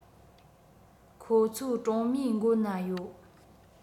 ཁོ ཚོའི གྲོང མིའི མགོ ན ཡོད